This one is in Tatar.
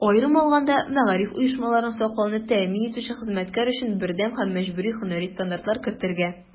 Аерым алганда, мәгариф оешмаларын саклауны тәэмин итүче хезмәткәр өчен бердәм һәм мәҗбүри һөнәри стандартлар кертергә.